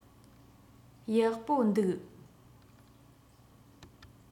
ཡག པོ འདུག